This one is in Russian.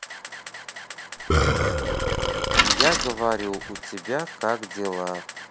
я говорю у тебя как дела